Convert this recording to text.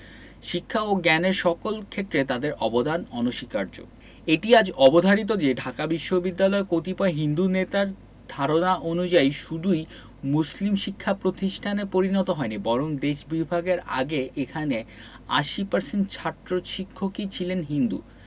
শিক্ষা ও জ্ঞানের সকল ক্ষেত্রে তাদের অবদান অনস্বীকার্য এটি আজ অবধারিত যে ঢাকা বিশ্ববিদ্যালয় কতিপয় হিন্দু নেতার ধারণা অনুযায়ী শুধুই মুসলিম শিক্ষা প্রতিষ্ঠানে পরিণত হয় নি বরং দেশ বিভাগের আগে এখানে ৮০% ছাত্র শিক্ষকই ছিলেন হিন্দু